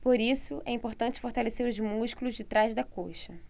por isso é importante fortalecer os músculos de trás da coxa